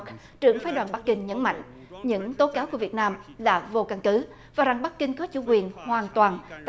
trưởng phái đoàn bắc kinh nhấn mạnh những tố cáo của việt nam là vô căn cứ và rằng bắc kinh có chủ quyền hoàn toàn tại